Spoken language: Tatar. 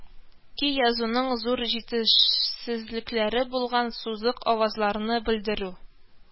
Ки язуның зур җитешсезлекләре булган: сузык авазларны белдерү